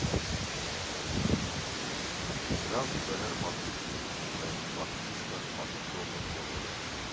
Դրան զուգահեռ մարդիկ պիտի փոխվեն՝ տաքսիստը, մատուցողը, բոլորը։